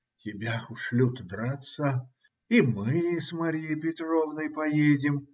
- Тебя ушлют драться, и мы с Марьей Петровной поедем